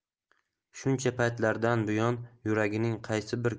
shuncha paytlardan buyon yuragining qaysi bir